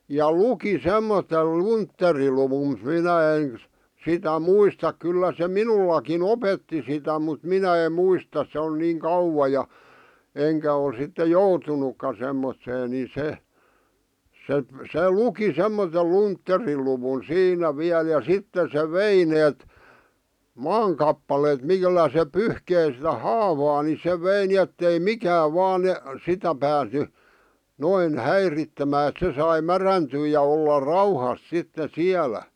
ja luki semmoisen luntteriluvun mutta minä en sitä muista kyllä se minullakin opetti sitä mutta minä en muista se on niin kauan ja enkä ole sitten joutunutkaan semmoiseen niin se se se luki semmoisen luntteriluvun siinä vielä ja sitten se vei ne maan kappaleet millä se pyyhki sitä haavaa niin se vei niin että ei mikään vain - sitä päässyt noin häiritsemään että sai mädäntyä ja olla rauhassa sitten siellä